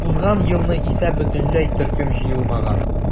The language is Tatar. Узган елны исә бөтенләй төркем җыелмаган.